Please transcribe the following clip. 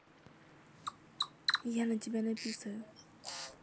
я на тебя написаю